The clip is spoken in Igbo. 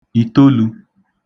ìtolū